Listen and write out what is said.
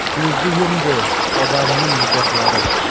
kuzini yumdi usha odamning nigohlari